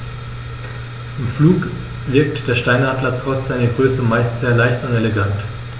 Im Flug wirkt der Steinadler trotz seiner Größe meist sehr leicht und elegant.